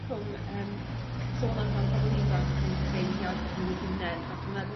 rhwng yym 'da chi'n sôn amdan pobol ifanc yn creu iaith n'w i hunen a dwi'n meddwl